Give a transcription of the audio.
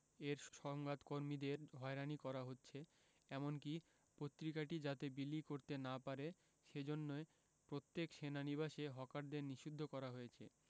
এর সংবাদ কর্মীদের হয়রানি করা হচ্ছে এমনকি পত্রিকাটি যাতে বিলি করতে না পারে সেজন্যে প্রত্যেক সেনানিবাসে হকারদের নিষিদ্ধ করা হয়েছে